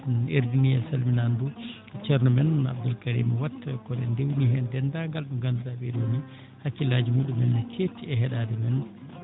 mi ardine e calminaandu ndu ceerno men Abdoul Karim Watt kono en dewnii heen deenndangal ɓe ngannduɗaa ɓee ɗoo nii hakkillaaji muuɗumen ne keetti e heɗaade men